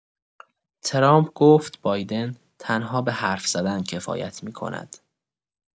ترامپ گفت بایدن تنها به حرف‌زدن کفایت می‌کند.